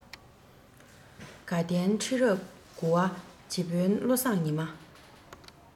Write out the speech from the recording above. དགའ ལྡན ཁྲི རབས དགུ བ རྗེ དཔོན བློ བཟང ཉི མ